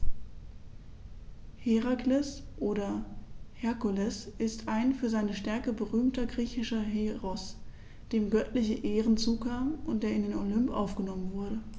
Herakles oder Herkules ist ein für seine Stärke berühmter griechischer Heros, dem göttliche Ehren zukamen und der in den Olymp aufgenommen wurde.